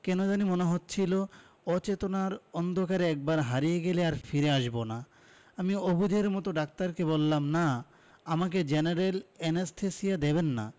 কেন জানি মনে হচ্ছিলো অচেতনতার অন্ধকারে একবার হারিয়ে গেলে আর ফিরে আসবো না আমি অবুঝের মতো ডাক্তারকে বললাম না আমাকে জেনারেল অ্যানেসথেসিয়া দেবেন না